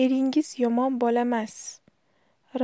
eringiz yomon bolamas